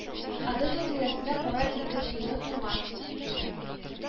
Одесса тирәсендә Кара диңгез суы туңа